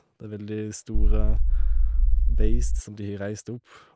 Det er veldig store beist som de har reist opp.